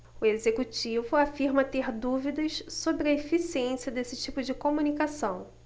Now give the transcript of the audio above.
o executivo afirma ter dúvidas sobre a eficiência desse tipo de comunicação